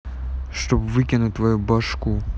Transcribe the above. чтобы выкинуть твою бошку